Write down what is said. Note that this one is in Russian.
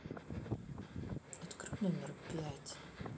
открой номер пять